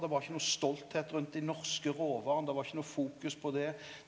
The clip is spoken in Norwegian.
det var ikkje nokon stoltheit rundt dei norske råvarene, det var ikkje noko fokus på det.